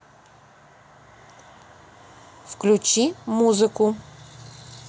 включи музыку